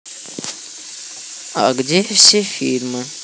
а где все фильмы